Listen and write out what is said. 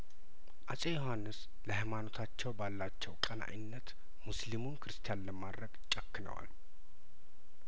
አጼ ዮሀንስ ለሀይማኖታቸው በአላቸው ቀናኢነት ሙስሊሙን ክርስቲያን ለማድረግ ጨክነዋል